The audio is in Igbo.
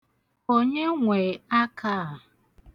Onye nwe aka a?